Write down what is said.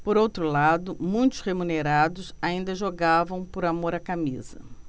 por outro lado muitos remunerados ainda jogavam por amor à camisa